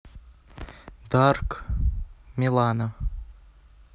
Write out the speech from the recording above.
dark милана